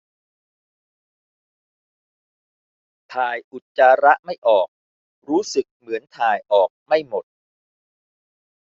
ถ่ายอุจจาระไม่ออกรู้สึกเหมือนถ่ายออกไม่หมด